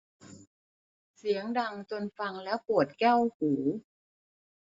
เสียงดังจนฟังแล้วปวดแก้วหู